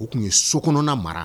U tun ye so kɔnɔ mara